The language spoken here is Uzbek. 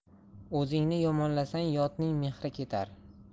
o'zingni yomonlasang yotning mehri ketar